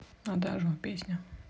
адажио песня